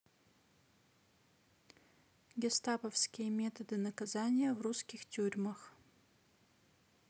гестаповские методы наказания в русских тюрьмах